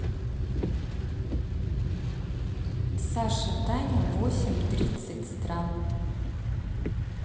саша таня восемь тридцать стран